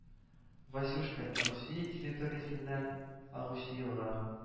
Васюшка Русия территориясеннән агучы елга